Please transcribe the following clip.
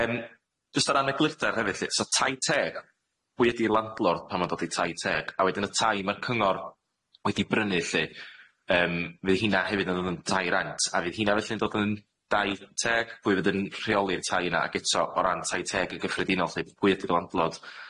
Yym jyst o ran eglyrder hefyd lly so tai teg pwy ydi'r landlord pan ma'n dod i tai teg a wedyn y tai ma'r cyngor wedi brynu lly yym fydd hynna hefyd yn dod yn tai rhent a fydd hynna felly'n dod yn dau teg pwy fydd yn rheoli'r tai yna ag eto o ran tai teg yn gyffredinol lly pwy ydi' landlord?